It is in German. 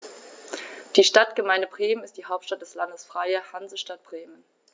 Die Stadtgemeinde Bremen ist die Hauptstadt des Landes Freie Hansestadt Bremen.